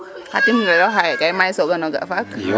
xa tim ŋayoox xaxe kay maxey soga no ga faak